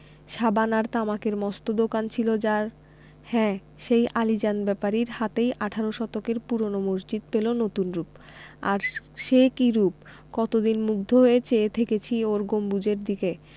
সাবান আর তামাকের মস্ত দোকান ছিল যার হ্যাঁ সেই আলীজান ব্যাপারীর হাতেই আঠারো শতকের পুরোনো মসজিদ পেলো নতুন রুপ আর সে কি রুপ কতদিন মুগ্ধ হয়ে চেয়ে থেকেছি ওর গম্বুজের দিকে